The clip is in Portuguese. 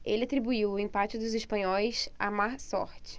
ele atribuiu o empate dos espanhóis à má sorte